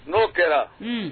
N'o kɛra